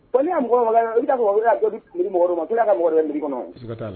Bon ni la mɔgɔ o mɔgɔ lajɛ i bi ta sɔrɔ o ka dɔ di a ka mɔgɔ dɔ ma mairie kɔnɔ, siga t'a la.